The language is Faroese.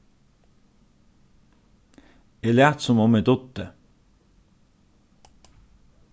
eg læt sum um eg dugdi